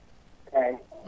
eeyi